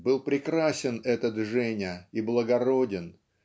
Был прекрасен этот Женя и благороден